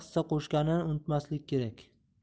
hissa qo'shganini unutmaslik kerak